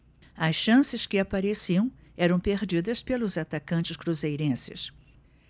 as chances que apareciam eram perdidas pelos atacantes cruzeirenses